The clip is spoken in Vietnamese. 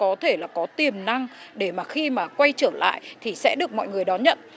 có thể là có tiềm năng để mà khi mà quay trở lại thì sẽ được mọi người đón nhận